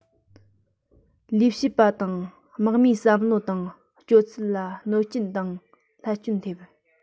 ལས བྱེད པ དང དམག མིའི བསམ བློ དང སྤྱོད ཚུལ ལ གནོད རྐྱེན དང བསླད སྐྱོན ཐེབས